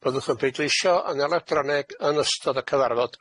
Byddwch yn pleidleisio yn electroneg yn ystod y cyfarfod.